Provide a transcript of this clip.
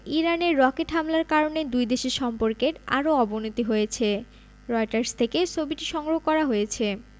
ইরানের রকেট হামলার কারণে দুই দেশের সম্পর্কের আরও অবনতি হয়েছে রয়টার্স থেকে ছবিটি সংগ্রহ করা হয়েছে